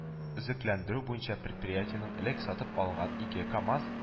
Өзекләндерү буенча предприятиенең элек сатып алынган ике камаз